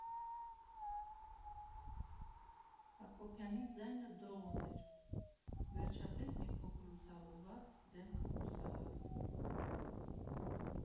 Հակոբյանի ձայնը դողում էր, վերջապես մի փոքր լուսավորված դեմքը՝ հուսահատ։